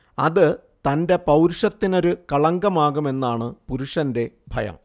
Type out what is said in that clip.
അത് തന്റെ പൗരുഷത്തിനൊരു കളങ്കമാകുമെന്നാണ് പുരുഷന്റെ ഭയം